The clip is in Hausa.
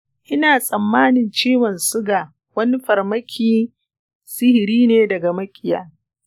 ina tsammanin ciwon suga wani farmakin sihiri ne daga maƙiya.